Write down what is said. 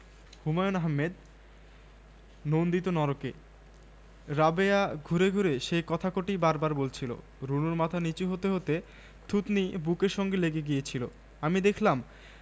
এটা খুব একটা লজ্জার কথা তবে যে ও আমাকে বললো কে আমি বুঝতে পারছি রাবেয়া নিশ্চয়ই কথাগুলি বাইরে কোথাও শুনে এসেছে কিন্তু রাবেয়াকে যার বয়স